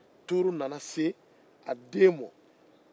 turu nana se a den ma